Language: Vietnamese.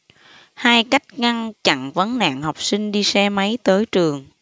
hai cách ngăn chặn vấn nạn học sinh đi xe máy tới trường